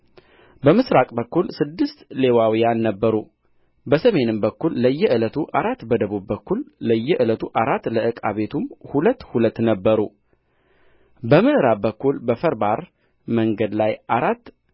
በምሥራቅ በኩል ስድስት ሌዋውያን ነበሩ በሰሜን በኩል ለየዕለቱ አራት በደቡብ በኩል ለየዕለቱ አራት ለዕቃ ቤቱም ሁለት ሁለት ነበሩ በምዕራብ በኩል በፈርባር መንገድ ላይ አራት